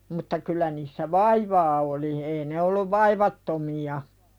mutta kyllä niissä vaivaa oli ei ne ollut vaivattomia